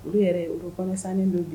Olu yɛrɛ olu kɔnɔsan don bilen